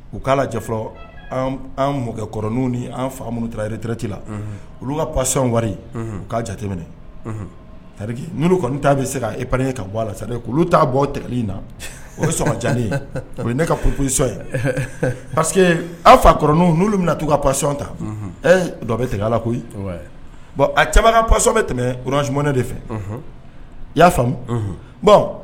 U k'a la fɔlɔ an mɔɔrɔn ni an fa minnu tarawelereti la olu ka pasɔnɔn wari k'a jateminɛ tari n kɔni t'a bɛ se'pye ka bɔ la sa olu t' bɔ tli na o ye sɔrɔ ja ye ne ka ppsɔ ye pa que an fak n'olu bɛ taa' ka pasɔnɔn ta dɔ bɛ tigɛ a la koyi bɔn a cɛbaba ka pasɔnmɛ tɛmɛsmɛ de fɛ i y'a faamumu bɔn